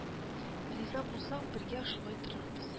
Риза булсаң бергә шулай торырбыз